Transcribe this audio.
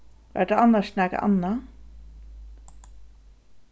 var tað annars nakað annað